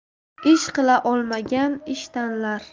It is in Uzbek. ish qila olmagan ish tanlar